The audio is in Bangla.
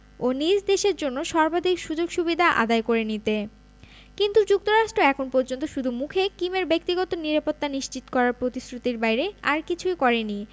ও নিজ দেশের জন্য সর্বাধিক সুযোগ সুবিধা আদায় করে নিতে কিন্তু যুক্তরাষ্ট্র এখন পর্যন্ত শুধু মুখে কিমের ব্যক্তিগত নিরাপত্তা নিশ্চিত করার প্রতিশ্রুতির বাইরে আর কিছুই করেনি